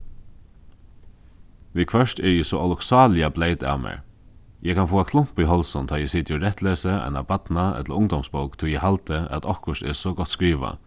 viðhvørt eri eg so ólukksáliga bleyt av mær eg kann fáa klump í hálsin tá eg siti og rættlesi eina barna- ella ungdómsbók tí eg haldi at okkurt er so gott skrivað